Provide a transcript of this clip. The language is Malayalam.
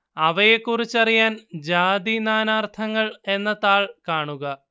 അവയെക്കുറിച്ചറിയാൻ ജാതി നാനാർത്ഥങ്ങൾ എന്ന താൾ കാണുക